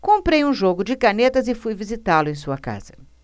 comprei um jogo de canetas e fui visitá-lo em sua casa